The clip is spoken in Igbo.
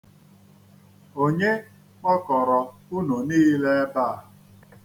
Onye kpọkọrọ unu niile ebe a?